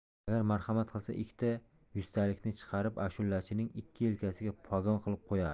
agar marhamat qilsa ikkita yuztalikni chiqarib ashulachining ikki yelkasiga pogon qilib qo'yardi